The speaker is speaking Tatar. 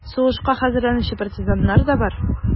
Сугышка хәзерләнүче партизаннар да бар: